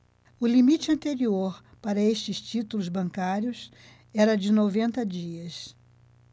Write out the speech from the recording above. o limite anterior para estes títulos bancários era de noventa dias